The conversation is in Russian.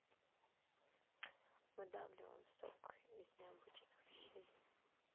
выдавливаем сок из необычных вещей